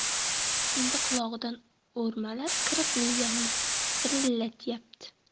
endi qulog'idan o'rmalab kirib miyasini zirillatyapti